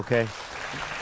ô kê